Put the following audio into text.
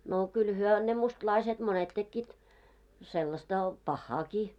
no kyllä he ne mustalaiset monet tekivät sellaista pahaakin